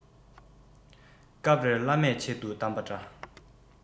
སྐབས རེར བླ མས ཆེད དུ གདམས པ འདྲ